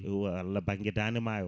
walla banggue Dande Maayo